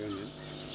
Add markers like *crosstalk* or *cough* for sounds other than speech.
*hesitation* *hesitation*